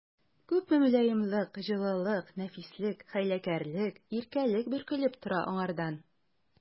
Күпме мөлаемлык, җылылык, нәфислек, хәйләкәрлек, иркәлек бөркелеп тора аңардан!